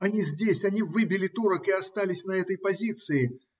Они здесь, они выбили турок и остались на этой позиции.